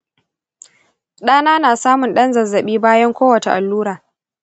ɗana na samun ɗan zazzabi bayan kowace allura.